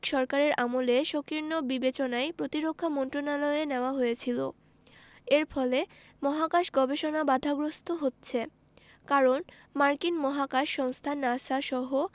সরকারের আমলে সংকীর্ণ বিবেচনায় প্রতিরক্ষা মন্ত্রণালয়ে নেওয়া হয়েছিল এর ফলে মহাকাশ গবেষণা বাধাগ্রস্ত হচ্ছে কারণ মার্কিন মহাকাশ সংস্থা নাসা সহ